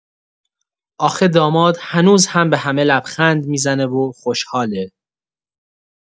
آخه داماد هنوز هم به همه لبخند می‌زنه و خوشحاله!